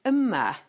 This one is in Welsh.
yma